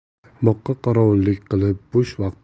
boqqa qorovullik qilib bo'sh